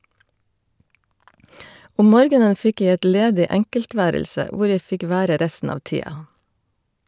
Om morgenen fikk jeg et ledig enkeltværelse hvor jeg fikk være resten av tida.